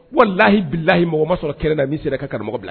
Wala lahi bilalahiyi mɔgɔ ma sɔrɔ kɛlɛ na mini sera ka karamɔgɔ bila